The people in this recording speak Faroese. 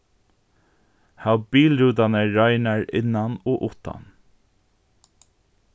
hav bilrútarnar reinar innan og uttan